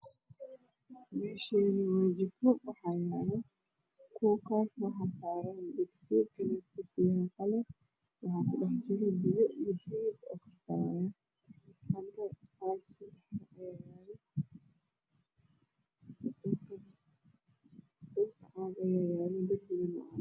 Meshani waa jiko waxaa yaala kuukar waxaa saaran digsi kalarkiisu yahay qalin waxaa ku dhaxjiro biyo karkarayo